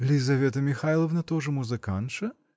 -- Лизавета Михайловна тоже музыкантша?